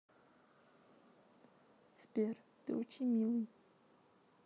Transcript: сбер ты очень милый